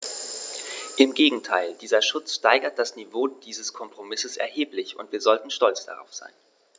Im Gegenteil: Dieser Schutz steigert das Niveau dieses Kompromisses erheblich, und wir sollten stolz darauf sein.